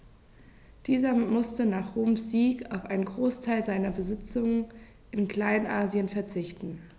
Dieser musste nach Roms Sieg auf einen Großteil seiner Besitzungen in Kleinasien verzichten.